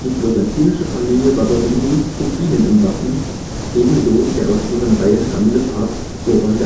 florentinische Familie Barberini trug Bienen im Wappen, ebenso der aus ihren Reihen stammende Papst Urban